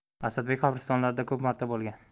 asadbek qabristonlarda ko'p marta bo'lgan